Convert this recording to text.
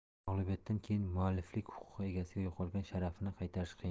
mag'lubiyatdan keyin mualliflik huquqi egasiga yo'qolgan sharafini qaytarish qiyin